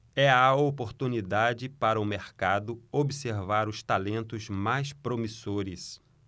é a oportunidade para o mercado observar os talentos mais promissores